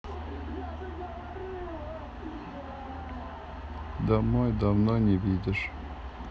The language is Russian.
домой давно не видишь